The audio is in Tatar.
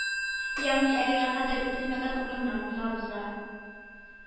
Ягъни әлегә кадәр үтелмәгән урыннар буйлап уза.